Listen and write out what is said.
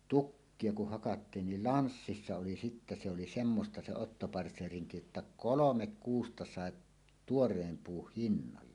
tukkia kun hakattiin niin lanssissa oli sitten se oli semmoista se ottopartseerinki jotta kolme kuusta sai tuoreen puun hinnalla